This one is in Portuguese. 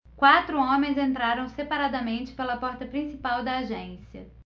quatro homens entraram separadamente pela porta principal da agência